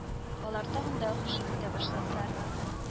Алар тагын да һөҗүм итә башладылар